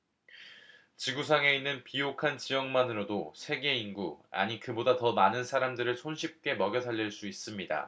지구 상에 있는 비옥한 지역만으로도 세계 인구 아니 그보다 더 많은 사람들을 손쉽게 먹여 살릴 수 있습니다